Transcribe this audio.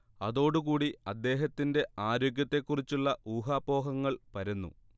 അതോടുകൂടി അദ്ദേഹത്തിൻറെ ആരോഗ്യത്തെ കുറിച്ചുള്ള ഊഹാപോഹങ്ങൾ പരന്നു